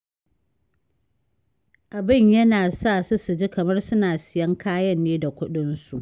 Abun yana sa su, su ji kamar suna siyan kayan ne da kuɗinsu.